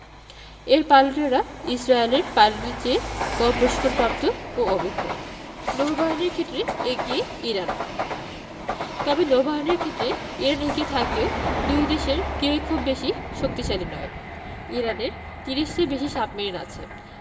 এর পাইলটেরা ইসরায়েলের পাইলটদের চেয়ে কম প্রশিক্ষণপ্রাপ্ত ও অভিজ্ঞ নৌবাহিনীর ক্ষেত্রে এগিয়ে ইরান তবে নৌবাহিনীর ক্ষেত্রে ইরান এগিয়ে থাকলেও দুই দেশের কেউই খুব বেশি শক্তিশালী নয় ইরানের ৩০টির বেশি সাবমেরিন আছে